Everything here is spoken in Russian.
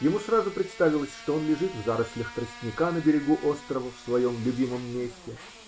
Ему сразу представилось, что он лежит в зарослях тростника на берегу острова, в своем любимом месте.